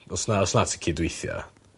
Os na os na ti cydweithio